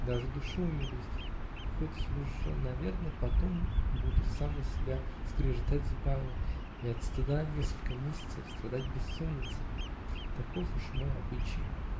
Даже душой умилюсь, хоть уж, наверно, потом буду вам на себя скрежетать зубами и от стыда несколько месяцев страдать бессонницей. Таков уж мой обычай.